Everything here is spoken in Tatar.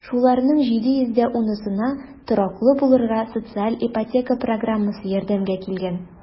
Шуларның 710-сына тораклы булырга социаль ипотека программасы ярдәмгә килгән.